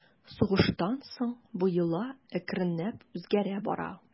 Сугыштан соң бу йола әкренләп үзгәрә бара.